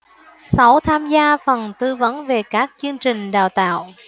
sáu tham gia phần tư vấn về các chương trình đào tạo